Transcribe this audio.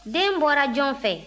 den bɔra jɔn fɛ